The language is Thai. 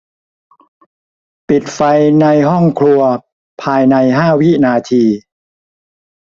ปิดไฟในห้องครัวภายในห้าวินาที